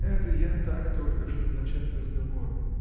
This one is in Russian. — Это я — так только, чтоб начать разговор